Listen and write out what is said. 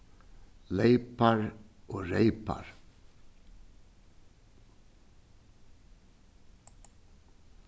leypar og reypar